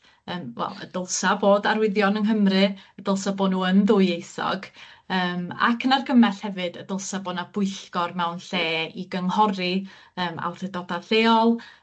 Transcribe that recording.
yym wel, y dylsa bod arwyddion yng Nghymru y dylsa bo' nw yn dwyieithog yym ac yn argymall hefyd y dylsa bo' 'na bwyllgor mewn lle i gynghori yym awdurdoda' lleol